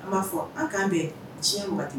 N b'a fɔ an k'an bɛn tiɲɛ waatiti